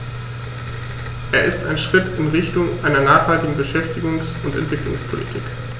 Er ist ein Schritt in Richtung einer nachhaltigen Beschäftigungs- und Entwicklungspolitik.